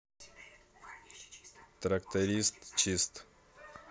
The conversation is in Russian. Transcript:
трактор чист